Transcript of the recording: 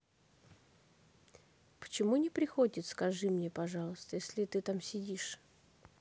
почему не приходит скажи мне пожалуйста если ты там сидишь